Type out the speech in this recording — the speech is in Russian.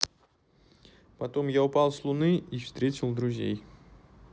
потом я упал с луны и встретил друзей